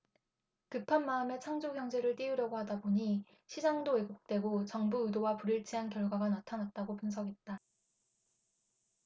급한 마음에 창조경제를 띄우려고 하다 보니 시장도 왜곡되고 정부 의도와 불일치한 결과가 나타났다고 분석했다